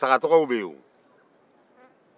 sagatɔgɔw bɛ yen o